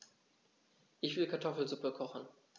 Ich will Kartoffelsuppe kochen.